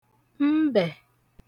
mbẹ̀